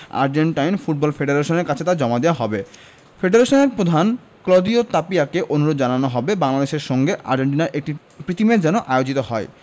Argentine football ফেডারেশনের কাছে তা জমা দেওয়া হবে ফেডারেশনের প্রধান ক্লদিও তাপিয়াকে অনুরোধ জানানো হবে বাংলাদেশের সঙ্গে আর্জেন্টিনার একটি প্রীতি ম্যাচ যেন আয়োজিত হয়